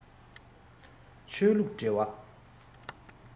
ཆོས ལུགས འབྲེལ བ